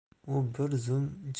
u bir zum